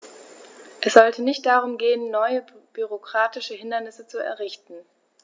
Es sollte nicht darum gehen, neue bürokratische Hindernisse zu errichten.